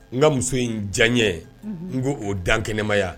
N ka muso in diya ye n ko oo dan kɛnɛmaya